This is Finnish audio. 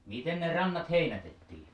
miten ne rannat heinätettiin